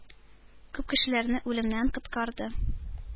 Күп кешеләрне үлемнән коткарды.